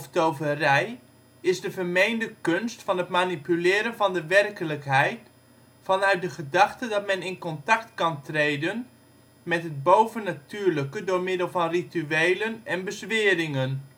toverij is de vermeende kunst van het manipuleren van de werkelijkheid vanuit de gedachte dat men in contact kan treden met het bovennatuurlijke door middel van rituelen en bezweringen